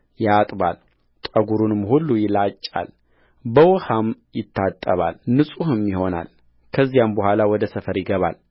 ያጥባል ጠጕሩንም ሁሉ ይላጫል በውኃም ይታጠባል ንጹሕም ይሆናል ከዚያም በኋላ ወደ ሰፈር ይገባል